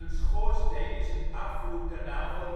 schoorsteen is een afvoerkanaal voor